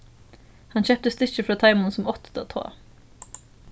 hann keypti stykkið frá teimum sum áttu tað tá